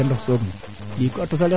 na teɓale